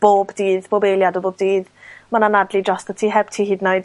bob dydd, bob eiliad o bob dydd, mae'n anadlu drostot ti. Heb ti hyd yn oed